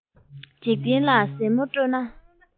འཇིག རྟེན ལ གཟིགས མོ སྤྲོ ན